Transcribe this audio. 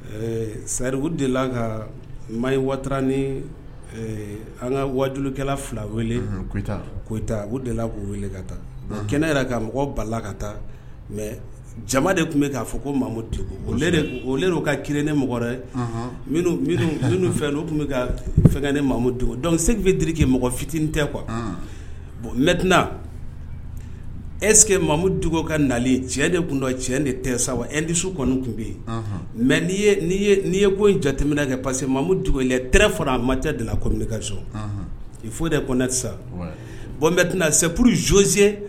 Ɛɛ sari u de la ka mayi wata ni an ka wadulikɛla fila weleyitayitata u k'u wele ka taa kɛnɛ yɛrɛ ka mɔgɔ bala ka taa mɛ jama de tun bɛ k'a fɔ ko'o ka kinen mɔgɔ wɛrɛ fɛn olu tun bɛ ka fɛnkɛ ni dugu dɔn sefitirike mɔgɔ fitinin tɛ kuwa bon mɛtina eske ma dug ka nalen cɛ de tun don cɛ de tɛ sa wa elisu kɔni tun bɛ yen mɛ n n'i ye ko jateminɛ kɛ parce que dugu tɛ fara ma tɛ dela kom kariso i fo de koɛ sa bɔn mɛt sepzze